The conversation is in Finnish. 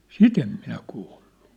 sitä en minä kuullut